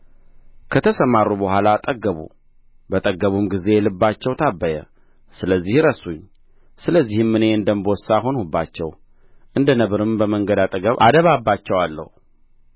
ከተሰማሩ በኋላ ጠገቡ በጠገቡም ጊዜ ልባቸው ታበየ ስለዚህ ረሱኝ ስለዚህም እኔ እንደ አንበሳ ሆንሁባቸው እንደ ነብርም በመንገድ አጠገብ አደባባቸዋለሁ